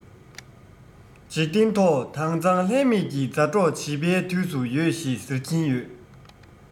འཇིག རྟེན ཐོག དྭངས གཙང ལྷད མེད ཀྱི མཛའ གྲོགས བྱིས པའི དུས སུ ཡོད ཞེས ཟེར གྱིན ཡོད